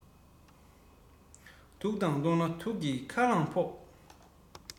དུག དང བསྡོངས ན དུག གི ཁ རླངས ཕོག